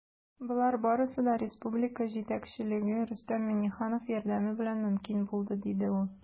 Болар барысы да республика җитәкчелеге, Рөстәм Миңнеханов, ярдәме белән мөмкин булды, - диде ул.